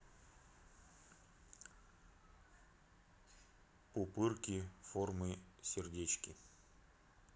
пупырки формы сердечки